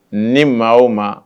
Ni maa o ma